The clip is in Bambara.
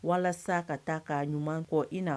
Walasa ka taa ka ɲuman kɔ in na